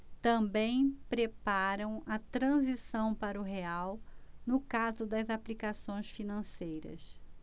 também preparam a transição para o real no caso das aplicações financeiras